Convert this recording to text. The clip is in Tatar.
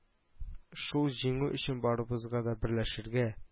Шул җиңү өчен барыбызга да берләшергә